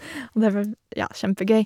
Og det var, ja, kjempegøy.